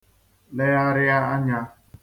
legharị anya